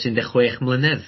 ...un de' chwech mlynedd.